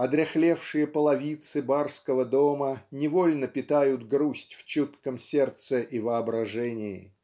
одряхлевшие половицы барского дома невольно питают грусть в чутком сердце и воображении.